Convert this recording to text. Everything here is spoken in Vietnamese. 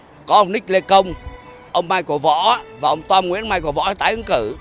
có ông ních lê công ông mai cồ võ và ông tom nguyễn mai cồ võ tái ứng cử